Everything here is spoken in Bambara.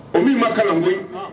O min ma kalan koyi